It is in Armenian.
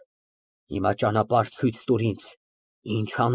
ՄԱՐԳԱՐԻՏ ֊ Հայրիկի ցանկությամբ ես Օթարյանից պահանջեցի նրա դոկումենտները։